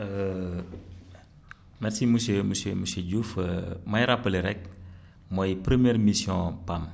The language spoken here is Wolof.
merci monsieur monsieur monsieur Diouf may rappelé rekk mooy première mission PAM